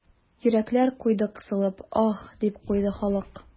Йөрәкләр куйды кысылып, аһ, дип куйды халык.